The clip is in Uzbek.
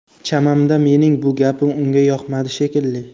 chamamda mening bu gapim unga yoqmadi shekilli